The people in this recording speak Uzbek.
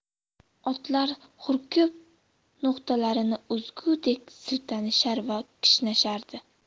otlar hurkib no'xtalarini uzgudek siltanishar va kishnashardi